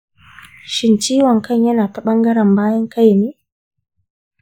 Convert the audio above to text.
shin ciwon kan yana ta ɓangaren bayan kaine?